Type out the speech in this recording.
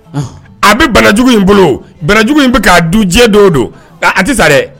A bɛ banajugu in bolojugu in k dujɛ don don a tɛ sa dɛ